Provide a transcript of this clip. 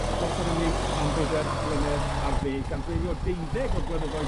dros yr Ynys am beder mlynedd ar ddeg, gan dreulio deuddeg o'r blynyddoedd